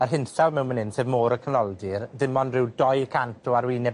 yr hinsawdd mewn man 'yn, sef môr y Canoldir, dim ond ryw dou cant o arwyneb